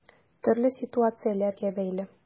Төрле ситуацияләргә бәйле.